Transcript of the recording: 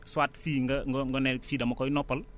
soit fii nga nga nga ne fii dama koy noppal